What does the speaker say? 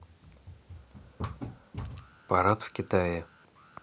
парад в китае